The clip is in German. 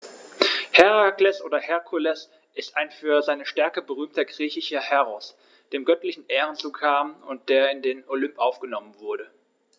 Herakles oder Herkules ist ein für seine Stärke berühmter griechischer Heros, dem göttliche Ehren zukamen und der in den Olymp aufgenommen wurde.